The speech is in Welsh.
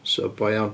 So, boi iawn.